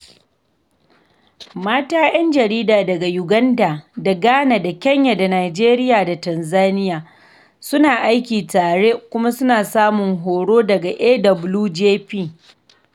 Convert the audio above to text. Mata 'yan jarida daga Uganda da Ghana da Kenya da Nijeriya da Tanzania suna aiki tare kuma suna samun horo daga AWJP.